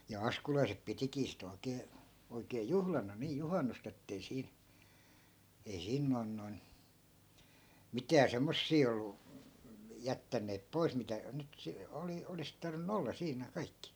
ja askulaiset pitikin sitten oikein oikein juhlana niin juhannusta että ei siinä ei siinä noin noin mitään semmoisia ollut jättäneet pois mitä nyt -- olisi tarvinnut olla siinä kaikki